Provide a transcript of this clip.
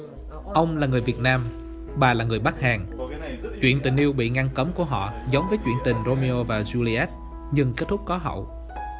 ông là người việt nam bà là người bắc hàn chuyện tình yêu bị ngăn cấm của họ giống với chuyện tình rô mê ô và du li ét nhưng kết thúc có hậu